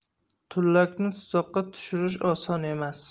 tullakni tuzoqqa tushirish oson emas